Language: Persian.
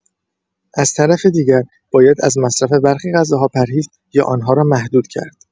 از طرف دیگر، باید از مصرف برخی غذاها پرهیز یا آن‌ها را محدود کرد.